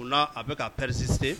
Munna a bɛ ka pɛresise